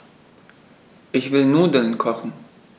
Ich will Nudeln kochen.